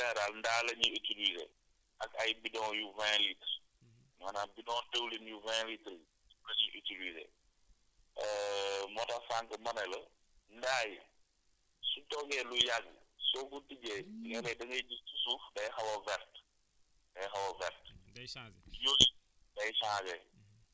xam nga ci yenn dëkk yi en général ndaa la ñuy utiliser ak ay bidon yu vingt litres maanaam bidon dëwlin yu vingt litre yi la ñuy utiliser moo tax sànq ma ne la ndaa yi su toogee lu yàgg soo ko tijjee léeg-léeg da ngay gis ci suuf day xaw a verte day xaw a vert